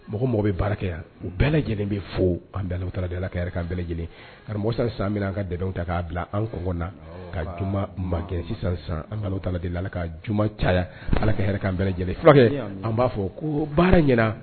Mɔgɔ mɔgɔ bɛ baara kɛ yan u bɛɛ lajɛlen bɛ fɔ an ka bɛɛ lajɛlenmosa san minɛ an ka dɛ ta k'a bila an kɔn na ka manden sisan sanla ala ka juma caya ala ka an bɛɛ lajɛlen furakɛ an b'a fɔ ko baara ɲɛna